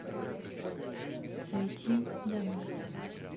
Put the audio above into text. зайти домой